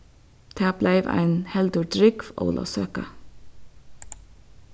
tað bleiv ein heldur drúgv ólavsøka